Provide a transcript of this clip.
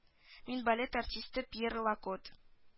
Мин балет артисты пьер лакот